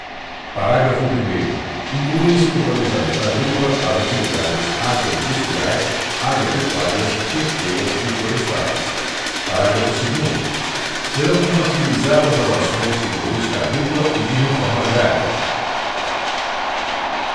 parágrafo primeiro incluem se no planejamento agrícola as atividades agroindustriais agropecuárias pesqueiras e florestais parágrafo segundo serão compatibilizadas as ações de política agrícola e de reforma agrária